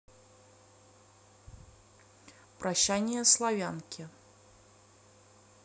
прощание славянки